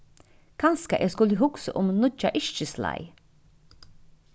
kanska eg skuldi hugsað um nýggja yrkisleið